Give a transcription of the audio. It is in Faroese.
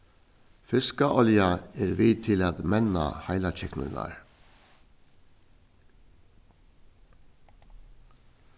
fiskaolja er við til at menna heilakyknurnar